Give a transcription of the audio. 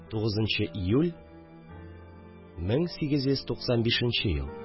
9 нчы июль, 1895 ел